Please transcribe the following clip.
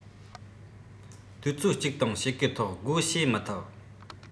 དུས ཚོད གཅིག དང ཕྱེད ཀའི ཐོག སྒོ ཕྱེ མི ཐུབ